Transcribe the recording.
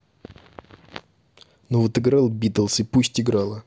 ну вот играл beatles и пусть играла